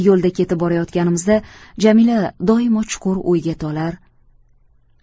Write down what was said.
yo'lda ketib borayotganimizda jamila doimo chuqur o'yga tolar